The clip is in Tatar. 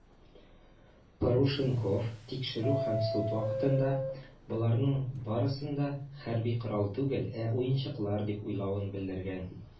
Парушенков тикшерү һәм суд вакытында, боларның барысын да хәрби корал түгел, ә уенчыклар дип уйлавын белдергән.